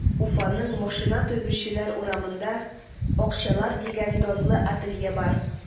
Уфаның Машина төзүчеләр урамында “Акчарлак” дигән данлы ателье бар.